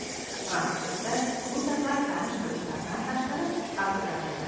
frankfurtda bu safar tanish bilishlardan tashqari avstraliyadan